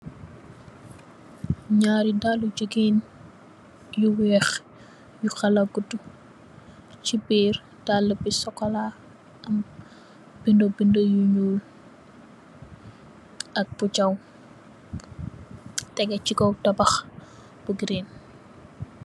Ñaari dalli jigeen yu wèèx yu xala guddu ci biir dalla bi sokola am bindi bindi yu ñuul ak bu jaw tegeh ci kaw tabax bu green.